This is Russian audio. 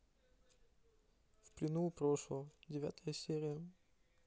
в плену у прошлого девятая серия